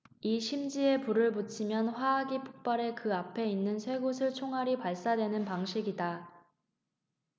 이 심지에 불을 붙이면 화약이 폭발해 그 앞에 있는 쇠구슬 총알이 발사되는 방식이다